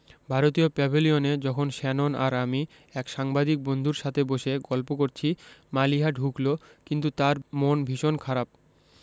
ভারতীয় প্যাভিলিয়নে যখন শ্যানন আর আমি এক সাংবাদিক বন্ধুর সাথে বসে গল্প করছি মালিহা ঢুকলো কিন্তু তার মন ভীষণ খারাপ